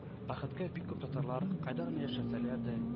Бәхеткә, бик күп татарлар, кайда гына яшәсәләр дә